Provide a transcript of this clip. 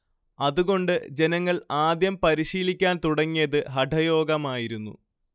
അതുകൊണ്ട് ജനങ്ങൾ ആദ്യം പരിശീലിക്കാൻ തുടങ്ങിയത് ഹഠയോഗമായിരുന്നു